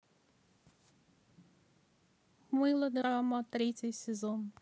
мылодрама третий сезон